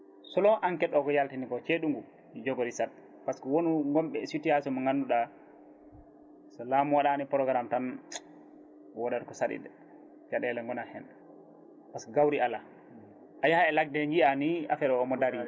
selon enquête o ko yaltini ko ceeɗu ngu joogori saat par ce que woon gonɓe e situation mo ganduɗa so laamu waɗani programme tan wodat ko saaɗi de caɗele gonat hen par ce que gawri ala a yahay e ladde he jiiya ni affaire ne daari